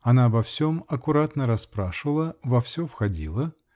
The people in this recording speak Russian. она обо всем аккуратно расспрашивала, во все входила